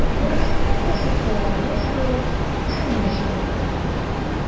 Без кроссовкаларны салып, суны чыгардык.